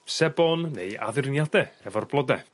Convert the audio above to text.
sebon neu addurniade efo'r blode.